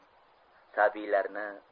kecha qurboni